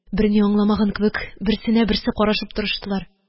Берни аңламаган кебек, берсенә берсе карашып торыштылар.